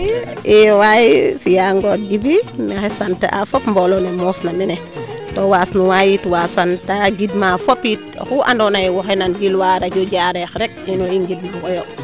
iyo waay fiya Djiby ngor waay maxey sant a fop mbole ne moof na meene to waasnuwa yit wasanta gidma fop it oxu ando naye waxey nan gilwa radio Diarekh rek in way ngid mang oyo